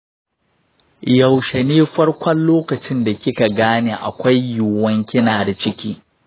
yaushe ne farkon lokacin da kika gane akwai yiwuwan kina da ciki?